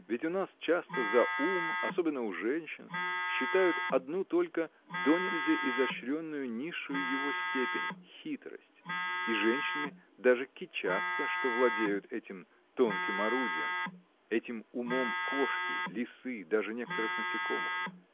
Ведь у нас часто за ум, особенно у женщин, считают одну только донельзя изощренную низшую его степень — хитрость, и женщины даже кичатся, что владеют этим тонким орудием, этим умом кошки, лисы, даже некоторых насекомых!